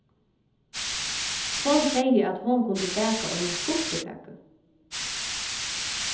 hon segði at hon kundi baka eina skuffukaku